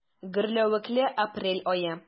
Гөрләвекле апрель ае.